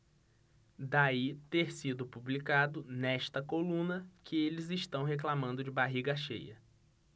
daí ter sido publicado nesta coluna que eles reclamando de barriga cheia